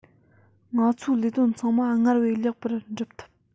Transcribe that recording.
ང ཚོའི ལས དོན ཚང མ སྔར བས ལེགས པར འགྲུབ ཐུབ